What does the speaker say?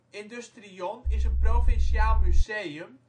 Industrion is een provinciaal museum